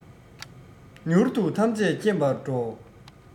མྱུར དུ ཐམས ཅད མཁྱེན པར འགྲོ